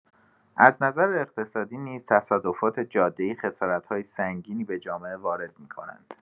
از نظر اقتصادی نیز تصادفات جاده‌ای خسارت‌های سنگینی به جامعه وارد می‌کنند.